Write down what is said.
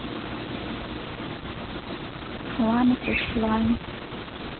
фламес оф лайф